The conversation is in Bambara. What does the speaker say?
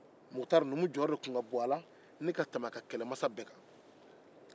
mukutari numu jɔyɔrɔ de tun ka bon a la ni ka tɛmɛ maa bɛɛ kan